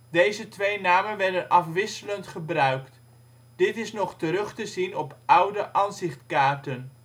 Deze twee namen werden afwisselend gebruikt. Dit is nog terug te zien op oude ansichtkaarten